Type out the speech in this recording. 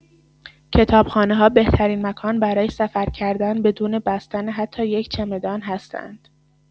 کتابخانه‌ها بهترین مکان برای سفر کردن بدون بستن حتی یک چمدان هستند.